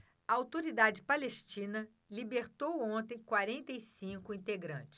a autoridade palestina libertou ontem quarenta e cinco integrantes